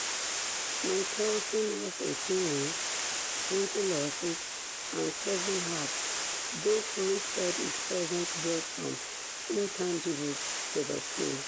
Mickelson has 18 wins, 20 losses and seven halves, though Furyk said his presence brought some intangibles to the team.